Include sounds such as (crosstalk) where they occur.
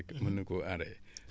(hesitation) (hesitation) mën na koo enrayer